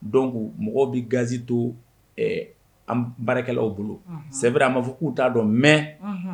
Don mɔgɔw bɛ gazsi to an baarakɛlaw bolo sɛbɛnr' a ma fɔ k'u t'a dɔn mɛ